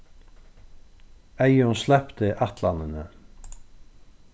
eyðun slepti ætlanini